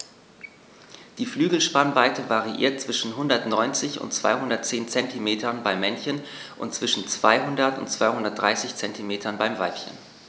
Die Flügelspannweite variiert zwischen 190 und 210 cm beim Männchen und zwischen 200 und 230 cm beim Weibchen.